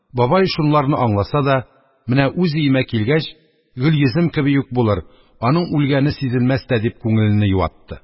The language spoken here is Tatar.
Бабай, шунларны аңласа да: «Менә үз өемә килгәч, Гөлйөзем кеби үк булыр, аның үлгәне сизелмәс тә», – дип, күңелене юатты